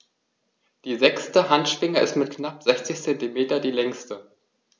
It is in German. Die sechste Handschwinge ist mit knapp 60 cm die längste.